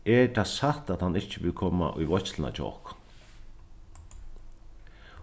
er tað satt at hann ikki vil koma í veitsluna hjá okkum